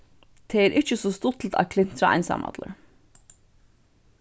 tað er ikki so stuttligt at klintra einsamallur